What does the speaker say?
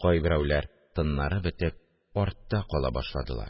Кайберәүләр, тыннары бетеп, артта кала башладылар